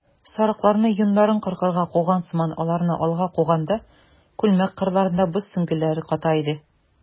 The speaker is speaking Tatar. Сарыкларны йоннарын кыркырга куган сыман аларны алга куганда, күлмәк кырларында боз сөңгеләре ката иде.